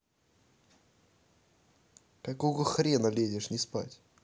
какого хрена лезешь не спать